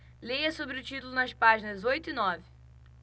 leia sobre o título nas páginas oito e nove